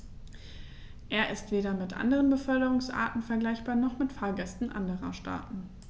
Er ist weder mit anderen Beförderungsarten vergleichbar, noch mit Fahrgästen anderer Staaten.